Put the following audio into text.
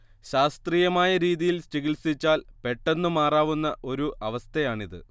ശാസ്ത്രീയമായ രീതിയിൽ ചികിത്സിച്ചാൽ പെട്ടെന്നു മാറാവുന്ന ഒരു അവസ്ഥയാണിത്